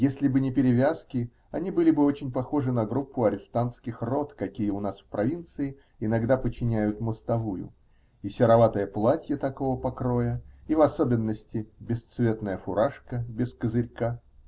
Если бы не перевязки, они были бы очень похожи на группу арестантских рот, какие у нас в провинции иногда починяют мостовую: и сероватое платье такого покроя, и, в особенности, бесцветная фуражка без козырька.